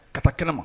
Ka taa kɛnɛ ma